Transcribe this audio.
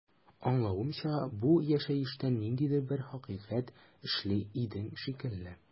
Аңлавымча, бу яшәештән ниндидер бер хакыйкать эзли идең шикелле.